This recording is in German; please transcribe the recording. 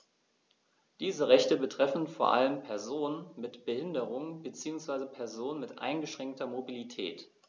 Diese Rechte betreffen vor allem Personen mit Behinderung beziehungsweise Personen mit eingeschränkter Mobilität.